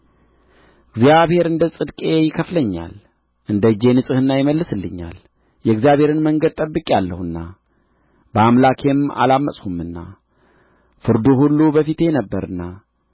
እግዚአብሔር እንደ ጽድቄ ይከፍለኛል እንደ እጄ ንጽሕና ይመልስልኛል የእግዚአብሔርን መንገድ ጠብቄአለሁና በአምላኬም አላመፅሁምና ፍርዱ ሁሉ በፊቴ ነበረና